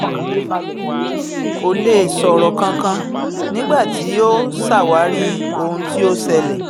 Kó lèe sọ̀rọ̀ kankan nígbà tí ó ṣàwárí ohun tí ó ṣẹlẹ̀.